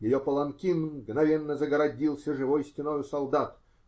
ее паланкин мгновенно загородился живой стеною солдат.